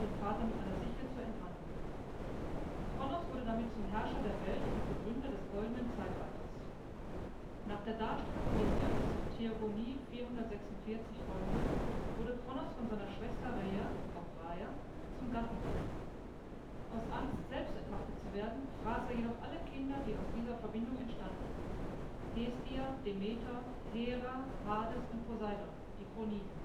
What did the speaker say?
Vater mit einer Sichel zu entmannen. Kronos wurde damit zum Herrscher der Welt und Begründer des Goldenen Zeitalters. Nach der Darstellung Hesiods (Theogonie 446ff.) wurde Kronos von seiner Schwester Rhea (Rheia) zum Gatten genommen. Aus Angst, selbst entmachtet zu werden, fraß er jedoch alle Kinder, die aus dieser Verbindung entstanden: Hestia, Demeter, Hera, Hades und Poseidon, die Kroniden